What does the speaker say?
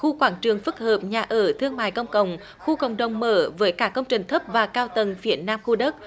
khu quảng trường phức hợp nhà ở thương mại công cộng khu cộng đồng mở với cả công trình thấp và cao tầng phía nam khu đất